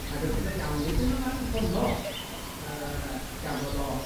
ag yn rhyfedd iawn, nid yn y fan honno yy gafodd o